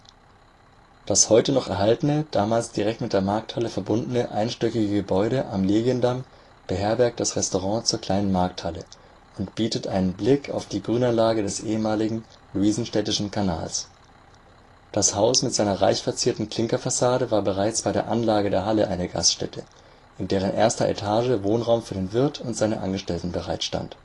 Das heute noch erhaltene, damals direkt mit der Markthalle verbundene, einstöckige Gebäude am Legiendamm beherbergt das Restaurant Zur kleinen Markthalle und bietet einen Blick auf die Grünanlage des ehemaligen Luisenstädtischen Kanals. Das Haus mit seiner reich verzierten Klinkerfassade war bereits bei der Anlage der Halle eine Gaststätte, in deren erster Etage Wohnraum für den Wirt und seine Angestellten bereitstand